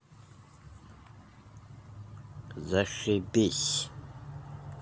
зашибись